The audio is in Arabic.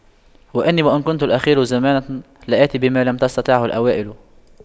وإني وإن كنت الأخير زمانه لآت بما لم تستطعه الأوائل